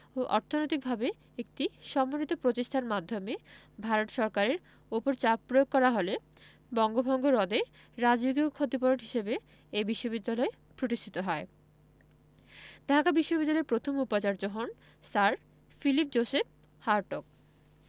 ও অর্থনৈতিকভাবে একটি সমন্বিত প্রচেষ্টার মাধ্যমে ভারত সরকারের ওপর চাপ প্রয়োগ করা হলে বঙ্গভঙ্গ রদের রাজকীয় ক্ষতিপূরণ হিসেবে এ বিশ্ববিদ্যালয় প্রতিষ্ঠিত হয় ঢাকা বিশ্ববিদ্যালয়ের প্রথম উপাচার্য হন স্যার ফিলিপ জোসেফ হার্টগ